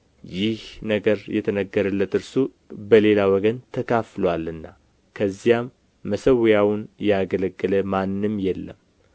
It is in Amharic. ይህ ነገር የተነገረለት እርሱ በሌላ ወገን ተካፍሎአልና ከዚያም መሠዊያውን ያገለገለ ማንም የለም